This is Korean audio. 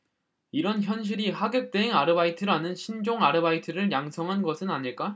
이런 현실이 하객 대행 아르바이트라는 신종 아르바이트를 양성한 것은 아닐까